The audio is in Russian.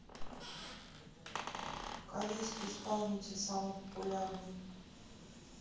корейский исполнитель самый популярный